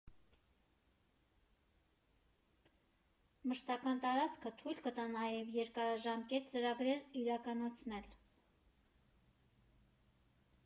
Մշտական տարածքը թույլ կտա նաև երկարաժամկետ ծրագրեր իրականացնել։